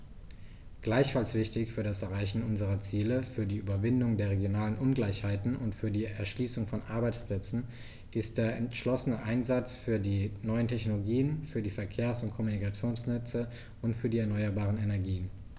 Gleichfalls wichtig für das Erreichen unserer Ziele, für die Überwindung der regionalen Ungleichheiten und für die Erschließung von Arbeitsplätzen ist der entschlossene Einsatz für die neuen Technologien, für die Verkehrs- und Kommunikationsnetze und für die erneuerbaren Energien.